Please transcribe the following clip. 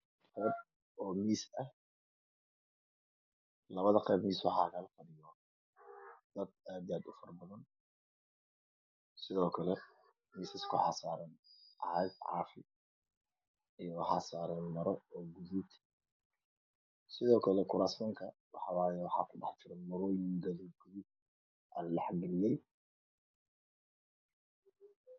Waa miisas laboda qeyb waxaa fadhiyo dad aad u faro badan. Miisaska waxaa saaran caagado caafi iyo maro gaduudan. Sidoo kale kuraasmanka waxaa ladhex galiyey maro gaduud ah.